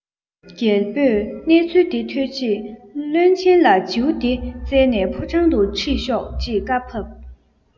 རྒྱལ པོས གནས ཚུལ དེ ཐོས རྗེས བློན ཆེན ལ བྱིའུ དེ བཙལ ནས ཕོ བྲང དུ ཁྱེར ཤོག ཅེས བཀའ ཕབ